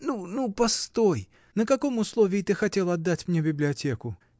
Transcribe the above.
— Ну, ну, постой: на каком условии ты хотел отдать мне библиотеку?